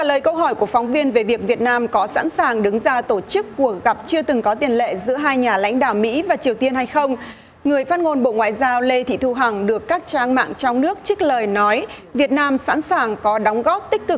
trả lời câu hỏi của phóng viên về việc việt nam có sẵn sàng đứng ra tổ chức cuộc gặp chưa từng có tiền lệ giữa hai nhà lãnh đạo mỹ và triều tiên hay không người phát ngôn bộ ngoại giao lê thị thu hằng được các trang mạng trong nước trích lời nói việt nam sẵn sàng có đóng góp tích cực